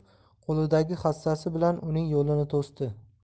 qo'lidagi hassasi bilan uning yo'lini to'sdi